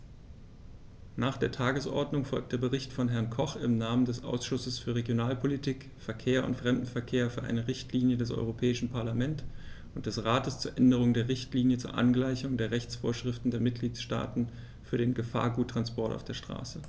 Nach der Tagesordnung folgt der Bericht von Herrn Koch im Namen des Ausschusses für Regionalpolitik, Verkehr und Fremdenverkehr für eine Richtlinie des Europäischen Parlament und des Rates zur Änderung der Richtlinie zur Angleichung der Rechtsvorschriften der Mitgliedstaaten für den Gefahrguttransport auf der Straße.